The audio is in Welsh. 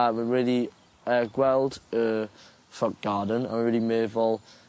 A rwy rili yy gweld y front garden a wedi meddwl